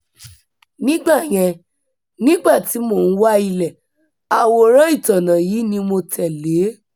Nígbà yẹn, nígbà tí mò ń wa ilẹ̀, àwòrán-ìtọ́nà yìí ni mo tẹ̀lé.